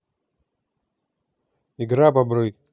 игра бобры